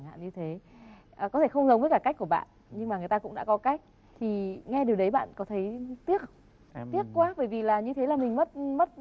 chẳng hạn như thế có thể không giống với lại cách của bạn nhưng mà người ta cũng đã có cách thì nghe điều đấy bạn có thấy tiếc không tiếc quá bởi vì là như thế là mình mất mất